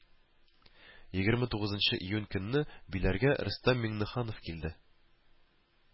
Егерме тугызынчы июнь көнне биләргә рөстәм миңнеханов килде